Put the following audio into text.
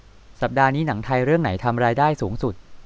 สัปดาห์นี้หนังไทยเรื่องไหนทำรายได้สูงสุด